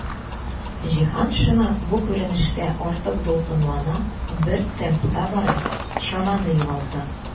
Җиһаншина бу күренештә артык дулкынлана, бер темпта бара, чаманы югалта.